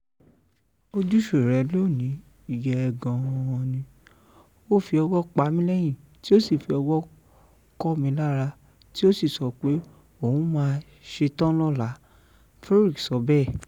"Ojúṣe rẹ̀ lónìí ye gan an ni, ó fi ọwọ́ pa mí lẹ́yìn tí ó sì fi ọwọ́ kọ́ mi lara tí ó sì sọ pé òun máa ṣetán lọ́la,” Furyk sọ bẹ́ẹ̀.